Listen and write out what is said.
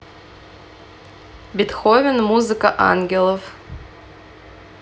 бетховен музыка ангелов